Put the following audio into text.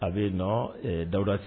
A bɛ dawuda sigi